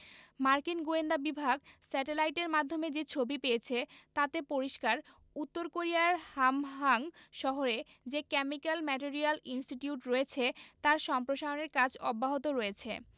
মার্কিন গোয়েন্দা বিভাগ স্যাটেলাইটের মাধ্যমে যে ছবি পেয়েছে তাতে পরিষ্কার উত্তর কোরিয়ার হামহাং শহরে যে কেমিক্যাল ম্যাটেরিয়াল ইনস্টিটিউট রয়েছে তার সম্প্রসারণের কাজ অব্যাহত রয়েছে